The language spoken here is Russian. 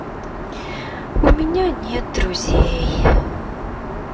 у меня нет друзей